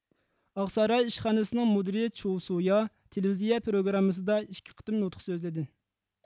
ئاقساراي ئىشخانىسىنىڭ مۇدىرى چوۋسۇيا تېلېۋىزىيە پروگراممىسىدا ئىككى قېتىم نۇتۇق سۆزلىدى